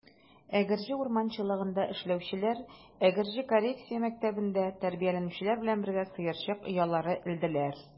Әгерҗе урманчылыгында эшләүчеләр Әгерҗе коррекция мәктәбендә тәрбияләнүчеләр белән бергә сыерчык оялары элделәр.